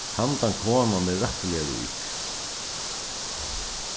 handan konan er rættiliga rík